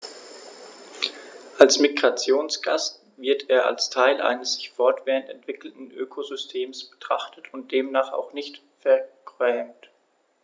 Als Migrationsgast wird er als Teil eines sich fortwährend entwickelnden Ökosystems betrachtet und demnach auch nicht vergrämt.